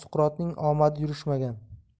suqrotning omadi yurishmagan